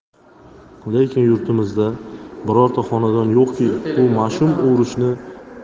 lekin yurtimizda birorta xonadon yo'qki bu